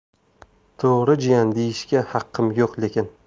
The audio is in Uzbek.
to'g'ri jiyan deyishga haqqim yo'q lekin